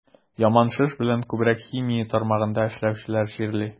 Яман шеш белән күбрәк химия тармагында эшләүчеләр чирли.